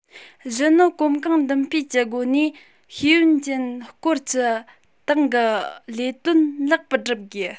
བཞི ནི གོམ གང མདུན སྤོས ཀྱི སྒོ ནས ཤེས ཡོན ཅན སྐོར གྱི ཏང གི ལས དོན ལེགས པར བསྒྲུབ དགོས